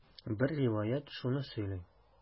Бер риваять шуны сөйли.